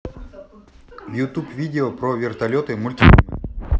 ютюб видео про вертолеты мультфильмы